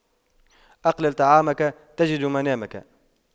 أقلل طعامك تجد منامك